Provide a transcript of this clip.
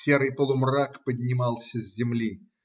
серый полумрак поднимался с земли.